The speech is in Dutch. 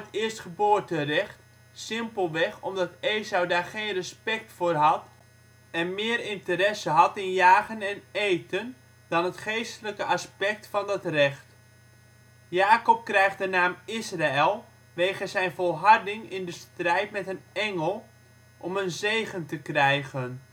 eerstgeboorterecht, simpelweg omdat Esau daar geen respect voor had en meer interesse had in jagen en eten, dan het geestelijke aspect van dat recht. In die tijd bezagen de Israëlieten zo 'n eerstgeboorterecht helemaal anders als wij in deze tijd. Jakob krijgt de naam Israël wegens zijn volharding in de strijd met een engel om een zegen te krijgen